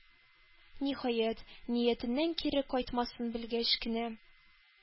Ниһаять, ниятеннән кире кайтмасын белгәч кенә,